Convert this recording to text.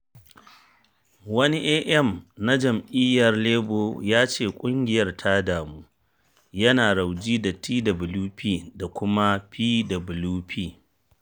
Wani AM na Jam’iyyar Labour ya ce ƙungiyar ta damu "yana rauji da Twp da kuma Pwp."